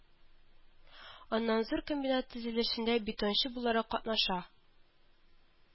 Аннан зур комбинат төзелешендә бетончы буларак катнаша